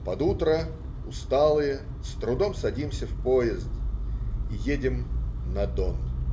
Под утро, усталые, с трудом садимся в поезд и едем на Дон.